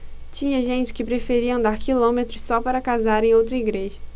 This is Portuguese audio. tinha gente que preferia andar quilômetros só para casar em outra igreja